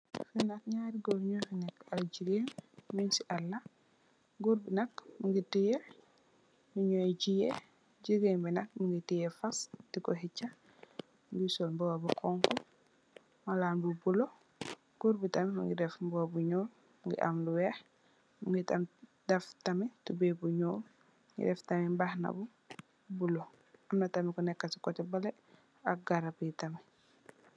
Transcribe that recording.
Fi nak nyarri goor nyufi neka ak jigeen nyung si alla. Goor bi nak mungi teyeh lunyu jiyee, jigeen bi nak mungi teyeh faas diko hecha mungi sol mboba bu xonxo, malan bu bulo. Goor bi tamit mungi def mboba bu ñuul mungi am lu weex mungi daf tamit tubey bu ñuul, mungi def tamit mabkhana vu bulo, am na tamit koneka ci coteh bele ak garap tamit.